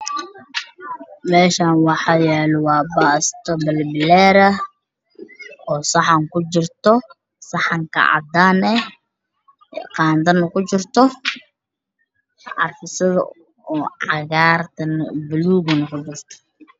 Meeshaan waxaa yaalo baasto balbalaar ah oo saxan kujirto, saxan cadaan oo qaado kujirto iyo carfisada buluug ah kujirto.